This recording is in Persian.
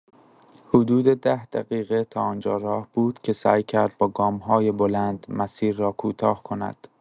حدود ده دقیقه تا آن‌جا راه بود که سعی کرد با گام‌های بلند، مسیر را کوتاه کند.